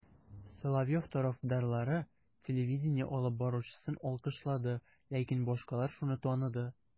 Соловьев тарафдарлары телевидение алып баручысын алкышлады, ләкин башкалар шуны таныды: